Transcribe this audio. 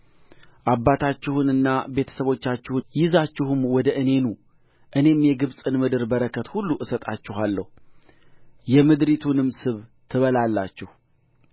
አባታችሁንና ቤተሰቦቻችሁን ይዛችሁም ወደ እኔ ኑ እኔም የግብፅን ምድር በረከት ሁሉ እሰጣችኋለሁ የምድሪቱንም ስብ ትበላላችሁ